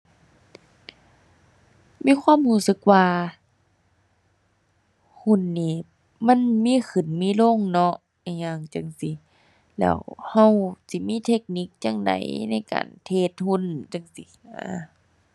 มีความรู้สึกว่าหุ้นนี่มันมีขึ้นมีลงเนาะ อิหยังจั่งซี้ แล้วรู้สิมีเทคนิคจั่งใดในการเทรดหุ้นจั่งซี้นะ